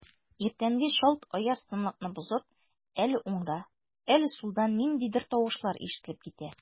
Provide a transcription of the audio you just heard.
Иртәнге чалт аяз тынлыкны бозып, әле уңда, әле сулда ниндидер тавышлар ишетелеп китә.